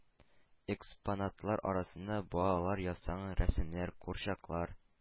Экспонатлар арасында балалар ясаган рәсемнәр, курчаклар,